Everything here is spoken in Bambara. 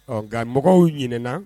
Ɔ nka mɔgɔw ɲinɛna